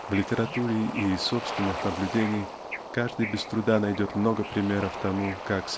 В литературе и из собственных наблюдений каждый без труда найдет много примеров тому как